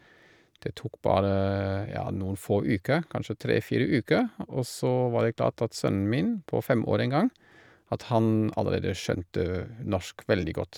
Det tok bare, ja, noen få uker, kanskje tre fire uker, og så var det klart at sønnen min på fem år den gang, at han allerede skjønte norsk veldig godt.